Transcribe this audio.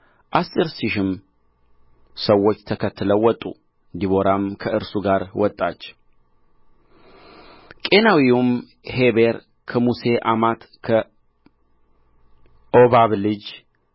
አሥር ሺህም ሰዎች ተከትለውት ወጡ ዲቦራም ከእርሱ ጋር ወጣች ቄናዊውም ሔቤር ከሙሴ አማት ከኦባብ ልጆች